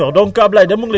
64